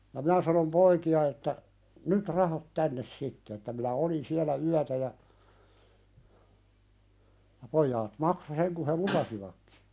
ja minä sanoin poikia että nyt rahat tänne sitten että minä olin siellä yötä ja ja pojat maksoi sen kun he lupasivatkin